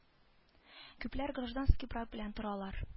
Күпләр гражданский брак белән торалар